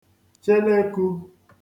chelekū